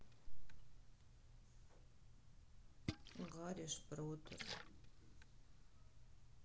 гарри шпроттер